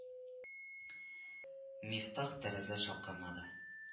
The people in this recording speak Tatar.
Мифтах тәрәзә шакымады